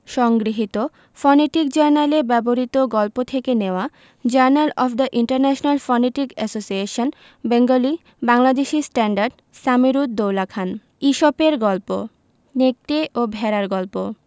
সংগৃহীত ফনেটিক জার্নালে ব্যবহিত গল্প থেকে নেওয়া journal of the international phonetic association Bengali Bangladeshi standard Samir ud Daula Khan ইসপের গল্প নেকড়ে ও ভেড়ার গল্প